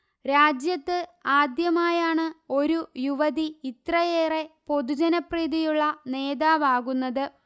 രാജ്യത്ത് ആദ്യമായാണ് ഒരു യുവതി ഇത്രയേറെ പൊതുജനപ്രീതിയുള്ള നേതാവാകുന്നത്